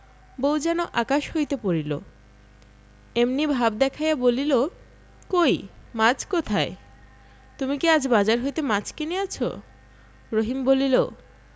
বউ যেন আকাশ হইতে পড়িল এমনি ভাব দেখাইয়া বলিল কই মাছ কোথায় তুমি কি আজ বাজার হইতে মাছ কিনিয়াছ রহিম বলিল